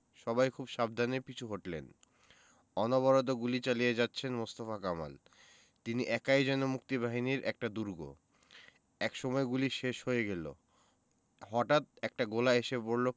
সবাই খুব সাবধানে পিছু হটলেন অনবরত গুলি চালিয়ে যাচ্ছেন মোস্তফা কামাল তিনি একাই যেন মুক্তিবাহিনীর একটা দুর্গ একসময় গুলি শেষ হয়ে গেল হটাত একটা গোলা এসে পড়ল